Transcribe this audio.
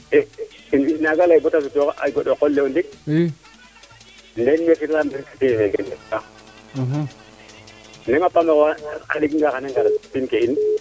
fi naga ley bata sutu a goɗo qol le o ndik im leyin me xirwa te mene im feka